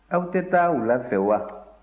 aw tɛ taa wula fɛ wa